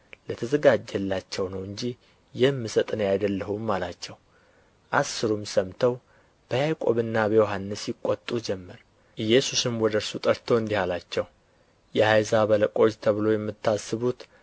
ለተዘጋጀላቸው ነው እንጂ የምሰጥ እኔ አይደለሁም አላቸው አሥሩም ሰምተው በያዕቆብና በዮሐንስ ይቈጡ ጀመር ኢየሱስም ወደ እርሱ ጠርቶ እንዲህ አላቸው የአሕዛብ አለቆች ተብሎ የምታስቡት